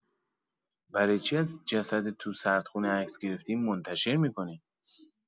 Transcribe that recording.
برا چی از جسد تو سردخونه عکس گرفتین منتشر می‌کنین؟